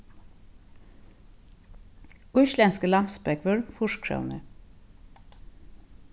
íslendskur lambsbógvur fýrs krónur